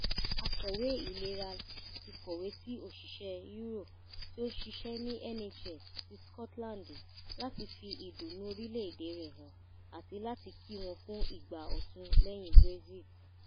Àkọ̀wé Ìlera ti kọ̀wé sí òṣìṣẹ́ EU tó ń ṣiṣẹ́ ní NHS ti Scotland láti fi ìdúnnú̀ orílẹ̀ èdè rẹ̀ hàn àti láti kí wọ́n fún ìgbà ọ̀tun lẹ́yìn Brexit.